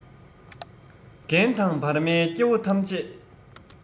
རྒན དང བར མའི སྐྱེ བོ ཐམས ཅད